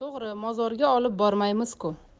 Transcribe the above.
to'g'ri mozorga olib bormaymiz ku